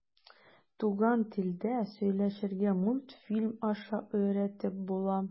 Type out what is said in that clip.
Туган телдә сөйләшергә мультфильм аша өйрәтеп була.